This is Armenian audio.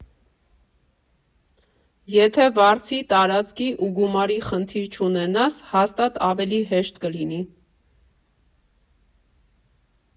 Եթե վարձի, տարածքի ու գումարի խնդիր չունենաս, հաստատ ավելի հեշտ կլինի։